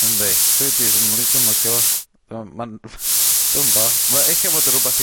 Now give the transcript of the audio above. Yndi. Dwi jes 'm o'n i... Dwi'm licio o. Fel ma'n dwmbo. Ma' ella fod o rwbath i